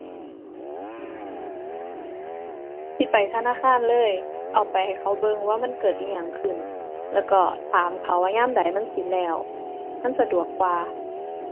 สิไปธนาคารเลย เอาไปให้เขาเบิ่งว่ามันเกิดอิหยังขึ้น แล้วก็ถามเขาว่ายามใดมันสิแล้ว มันสะดวกกว่า